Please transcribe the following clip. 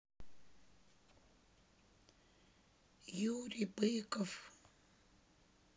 юрий быков